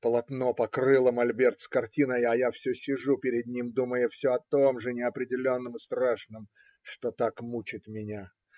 Полотно покрыло мольберт с картиной, а я все сижу перед ним, думая все о том же неопределенном и страшном, что так мучит меня.